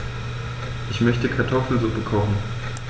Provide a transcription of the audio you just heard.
Ich möchte Kartoffelsuppe kochen.